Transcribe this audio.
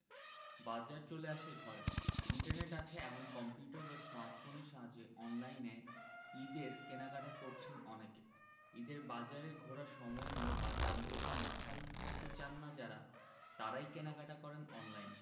বাজার চলে আসে ঘরে ইন্টারনেট আছে এমন কম্পিউটার বা স্মার্টফোনের সাহায্যে অনলাইনে ঈদের কেনাকাটা করছেন অনেকে ঈদের বাজারে ঘোরার সময় নেই বা যানজটে নাকাল হতে চান না যাঁরা তাঁরাই কেনাকাটা করেন অনলাইনে